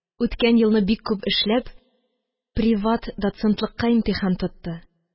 Үткән елны бик күп эшләп, приват-доцентлыкка имтихан тотты